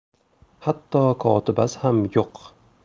hatto kotibasi ham yo'q